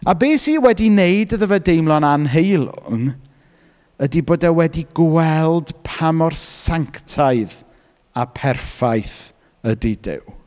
A be sydd wedi wneud iddo fe deimlo'n anheilwng ydy bod e wedi gweld pa mor sanctaidd a perffaith ydy Duw.